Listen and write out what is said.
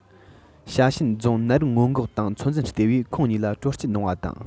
ཞ ཞན རྫོང ནད རིགས སྔོན འགོག དང ཚོད འཛིན ལྟེ བས ཁོང གཉིས ལ དྲོད སྐྱིད གནང བ དང